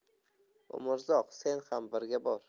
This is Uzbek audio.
umrzoq sen ham birga bor